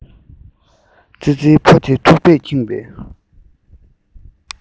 ཙི ཙི ཕོ དེ ཐུག པས ཁེངས པའི